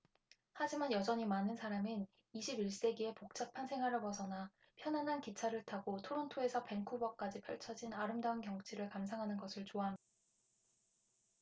하지만 여전히 많은 사람은 이십 일 세기의 복잡한 생활에서 벗어나 편안한 기차를 타고 토론토에서 밴쿠버까지 펼쳐진 아름다운 경치를 감상하는 것을 좋아합니다